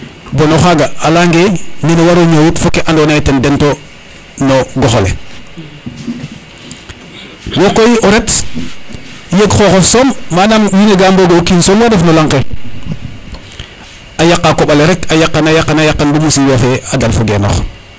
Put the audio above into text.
bon o xaga a leyane nena waro ñowit fo ke ando naye ten dento no goxole wokoy o ret yeg xoxof soom manam wiin we ga mboge o kinn soom war ref no laŋ ke a yaqa koɓale rek a yaqan a yaqan a yaqan bo musiba fe a dalfo genoox